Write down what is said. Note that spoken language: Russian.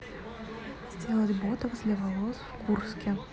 сделать ботокс для волос в курске